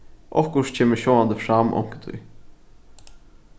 okkurt kemur sjálvandi fram onkuntíð